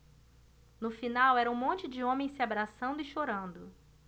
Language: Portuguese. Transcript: no final era um monte de homens se abraçando e chorando